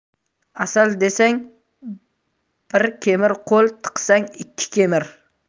asal desang bir kemir qo'l tiqsang ikki kemir